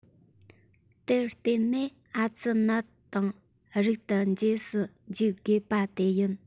དེར བརྟེན ནས ཨེ ཙི ནད དང རིང དུ གྱེས སུ འཇུག དགོས པ དེ ཡིན